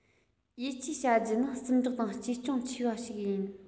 ཡིད ཆེས བྱ རྒྱུ ནི བརྩི འཇོག དང གཅེས སྐྱོང ཆེས ཆེ བ ཞིག ཡིན